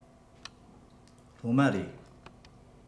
སློབ མ རེད